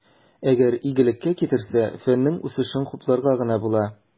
Әгәр игелеккә китерсә, фәннең үсешен хупларга гына була.